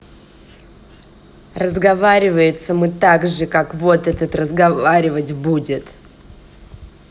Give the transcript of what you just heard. разговаривается мы так же как вот этот разговаривать будет